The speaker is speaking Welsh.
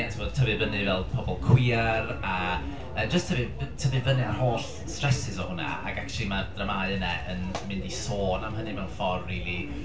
A tibod tyfu fyny fel pobol cwiar, a yy jyst tyfu- tyfu fyny a'r holl stresses o hwnna. Ac acshyli ma'r dramâu yna yn mynd i sôn am hynny mewn ffor' rili...